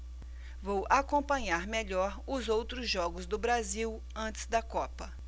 vou acompanhar melhor os outros jogos do brasil antes da copa